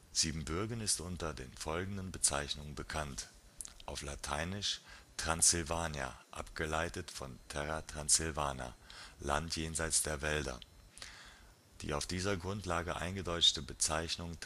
Siebenbürgen ist unter folgenden Bezeichnungen bekannt: Auf lateinisch: Tran (s) silvania oder Tran (s) sylvania abgeleitet von terra transsilvana: „ Land jenseits der Wälder “(vgl. Gallia Transalpina: „ Gallien jenseits der Alpen “). Die auf dieser Grundlage eingedeutschte Bezeichnung